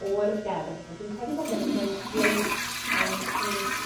o'r gerdd a dwi'n credu bod gen gen i sleid yym sy'n